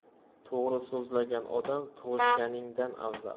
to'g'ri so'zlagan odam tug'ishganingdan afzal